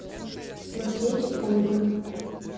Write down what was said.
смотреть ольга